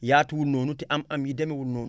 yaatuwul te am-am yi demeewul noonu